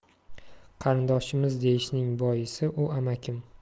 qarindoshimiz deyishimning boisi u amakim